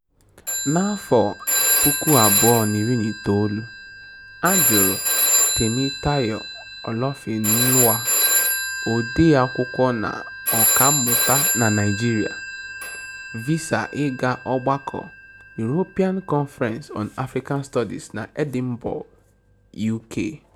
N'afọ 2019, a jụrụ Temitayo Olofinlua, odee akwụkwọ na ọkàmmụta na Naịjirịa, visa ịga ogbako European Conference on African Studies na Edinburgh, UK.